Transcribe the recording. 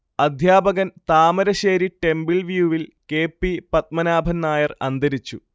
അധ്യാപകൻ താമരശ്ശേരി ടെമ്പിൾവ്യൂവിൽ K. P. Padmanabhan Nair അന്തരിച്ചു